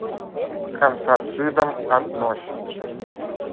к антацидам относится